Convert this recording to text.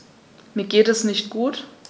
Mir geht es nicht gut.